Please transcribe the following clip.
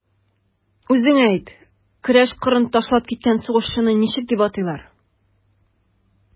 Үзең әйт, көрәш кырын ташлап киткән сугышчыны ничек дип атыйлар?